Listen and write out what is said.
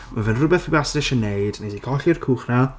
Ma fe'n rhywbeth fi wastad eisiau wneud. Fi 'di colli'r cwch 'na.